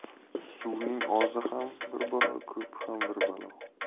suvning ozi ham bir balo ko'pi ham bir balo